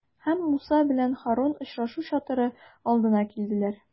Һәм Муса белән Һарун очрашу чатыры алдына килделәр.